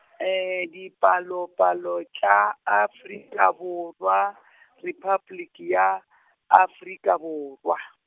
Dipalopalo tša Afrika Borwa , Repabliki ya , Afrika Borwa.